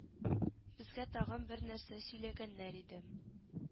Безгә тагын бер нәрсә сөйләгәннәр иде